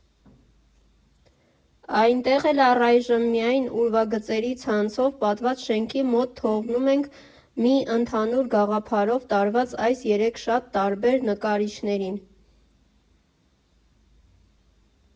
Այնտեղ էլ՝ առայժմ միայն ուրվագծերի ցանցով պատված շենքի մոտ թողնում ենք մի ընդհանուր գաղափարով տարված այս երեք շատ տարբեր նկարիչներին։